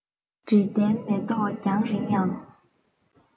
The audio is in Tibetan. དྲི ལྡན མེ ཏོག རྒྱང རིང ཡང